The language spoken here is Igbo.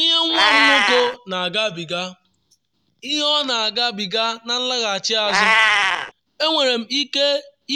“Ihe nwa m nwoke na-agabiga, ihe ọ na-agabiga na nlaghachi azụ, Enwere m ike